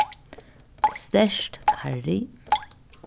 sterkt karry